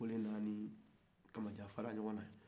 o de nana a ni kamaja fara ɲɔgɔn na ye